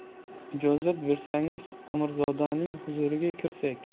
ijozat bersangiz amirzodaning huzuriga kirsak